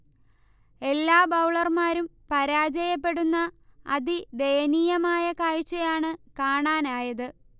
എല്ലാ ബൌളർമാരും പരാജയപ്പെടുന്ന അതിദയനീയമായ കാഴ്ചയാണ് കാണാനായത്